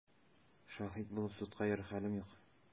Шаһит булып судка йөрер хәлем юк!